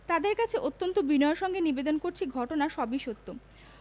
তাঁদের কাছে অত্যন্ত বিনয়ের সঙ্গে নিবেদন করছি ঘটনা সবই সত্য